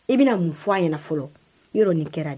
I bɛna mun fɔ a ɲɛna fɔlɔ y' nin kɛra dɛ